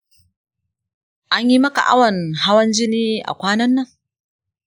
anyi maka awun hawan jini a kwanan nan?